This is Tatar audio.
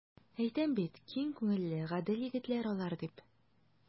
Әйтәм бит, киң күңелле, гадел егетләр алар, дип.